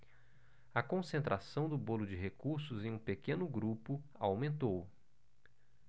a concentração do bolo de recursos em um pequeno grupo aumentou